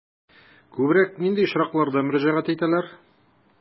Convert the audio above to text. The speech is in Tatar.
Күбрәк нинди очракларда мөрәҗәгать итәләр?